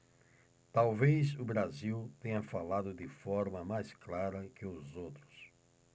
talvez o brasil tenha falado de forma mais clara que os outros